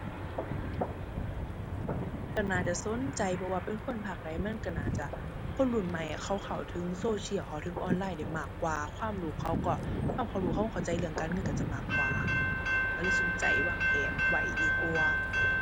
ก็น่าจะสนใจ บ่ว่าเป็นคนภาคใดมันก็น่าจะ คนรุ่นใหม่อะ เขาเข้าถึงโซเชียล เข้าถึงออนไลน์ได้มากกว่า ความรู้เขาก็ ความเข้ารู้ความเข้าใจเรื่องการเงินก็จะมากกว่า ก็เลยสนใจวางแผนไว้ดีกว่า